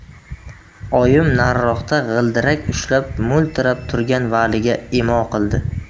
oyim nariroqda g'ildirak ushlab mo'ltirab turgan valiga imo qildi